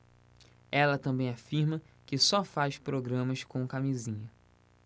ela também afirma que só faz programas com camisinha